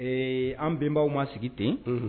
Ee an bɛnbaw ma sigi ten